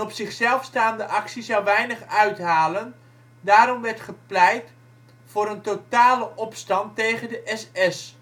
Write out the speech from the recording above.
zichzelf staande actie zou weinig uithalen, daarom werd gepleit voor een totale opstand tegen de SS